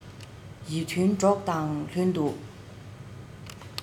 ཡིད མཐུན གྲོགས དང ལྷན ཏུ